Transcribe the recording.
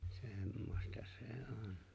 semmoista se on